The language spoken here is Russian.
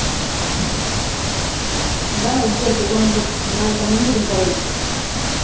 давай сбер ты там вот на этом не будем говорить